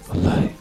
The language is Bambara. Falayi